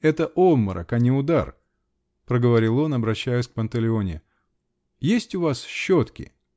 -- Это обморок, а не удар, -- проговорил он, обратясь к Панталеоне. -- Есть у вас щетки?